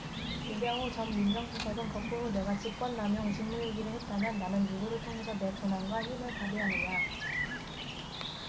우병우 전 민정수석은 거꾸로 내가 직권남용 직무유기를 했다면 나는 누구를 통해서 내 권한과 힘을 발휘하느냐